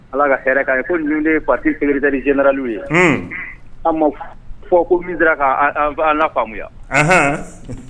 Ala ka hɛrɛ ka ye ko nin fati sɛbɛndri jyarali' ye fɔ ko an faamuyamuya